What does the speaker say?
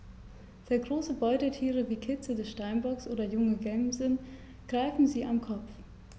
Sehr große Beutetiere wie Kitze des Steinbocks oder junge Gämsen greifen sie am Kopf.